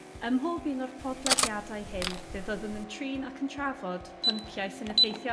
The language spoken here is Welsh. Ym mhob un o'r podlediadau hyn fe fyddwn yn trin ac yn trafod pynciau syn effeithio